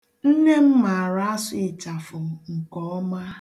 Nne m mara asụ ịchafụ nkeọma.